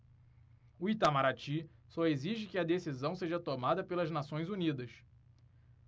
o itamaraty só exige que a decisão seja tomada pelas nações unidas